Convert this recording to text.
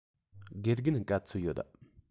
དགེ རྒན ག ཚོད ཡོད